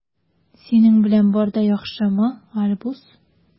Синең белән бар да яхшымы, Альбус?